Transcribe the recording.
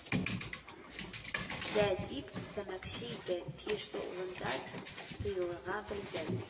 Дә, дип өстәмәкче иде, тиешле урында тыйлыга белде